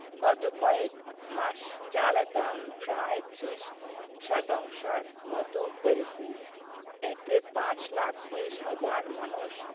গত কয়েক মাসে চালের দাম প্রায় ৩০ শতাংশের মতো বেড়েছে এতে ৫ লাখ ২০ হাজার মানুষ